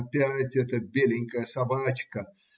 Опять эта беленькая собачка!